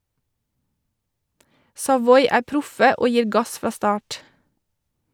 Savoy er proffe, og gir gass fra start.